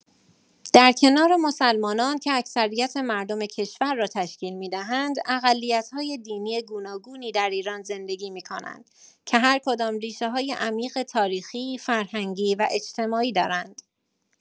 در کنار مسلمانان که اکثریت مردم کشور را تشکیل می‌دهند، اقلیت‌های دینی گوناگونی در ایران زندگی می‌کنند که هر کدام ریشه‌های عمیق تاریخی، فرهنگی و اجتماعی دارند.